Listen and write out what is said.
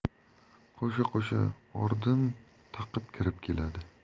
qo'sha qo'sha ordin taqib kirib keladi